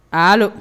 Aa